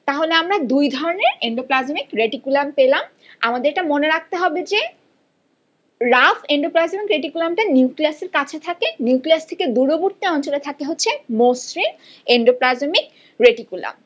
তাহলে আমরা দুই ধরনের এন্ডোপ্লাজমিক রেটিকুলাম পেলাম আমাদের এটা মনে রাখতে হবে যে রাফ এন্ডোপ্লাজমিক রেটিকুলাম টা নিউক্লিয়াস এর কাছে থাকে নিউক্লিয়াসের দূরবর্তী অঞ্চলে থাকে হচ্ছে মসৃণ এন্ডোপ্লাজমিক রেটিকুলাম